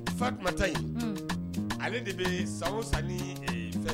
Fa tun ta yen in ale de bɛ san san ni fɛ